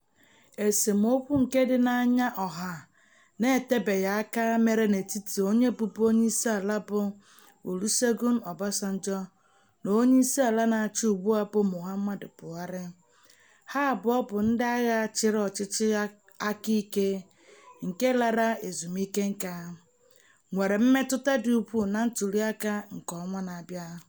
Esemokwu nke dị n'anya ọha na-etebeghị aka mere n'etiti onye bụbu Onyeisiala bụ Olusegun Obasanjo na Onyeisiala na-achị ugbua bụ Muhammadu Buhari — ha abụọ bụ ndị agha chịrị ọchịchị aka ike nke lara ezumike nká — nwere mmetụta dị ukwuu na ntụliaka nke ọnwa na-abịa.